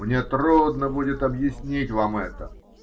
Мне трудно будет объяснить вам это.